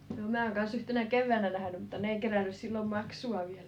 minä olen kanssa yhtenä keväänä nähnyt mutta ne ei kerännyt silloin maksua vielä